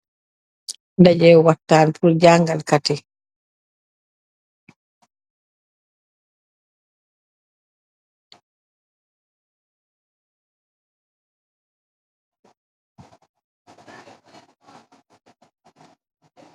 Ndajéé waxtaan pur jangal kayiti.